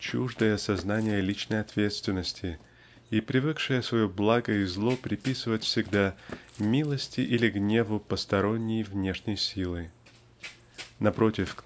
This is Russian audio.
чуждая сознания личной ответственности и привыкшая свое благо и зло приписывать всегда милости или гневу посторонней внешней силы. Напротив